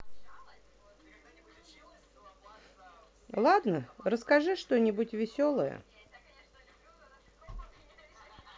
ладно расскажи что нибудь веселое